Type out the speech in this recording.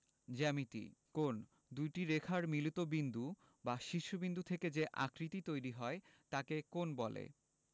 জ্যামিতিঃ কোণঃ দুইটি রেখার মিলিত বিন্দু বা শীর্ষ বিন্দু থেকে যে আকৃতি তৈরি হয় তাকে কোণ বলে